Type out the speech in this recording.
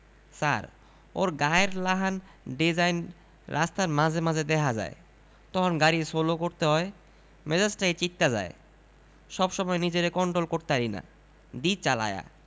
ছার অর গায়ের লাহান ডেজাইন রাস্তায় মাঝে মাঝে দেহা যায় তহন গাড়ি সোলো করতে হয় মেজাজটাই চেইত্তা যায় সব সময় নিজেরে কন্টোল করতারি না দি চালায়া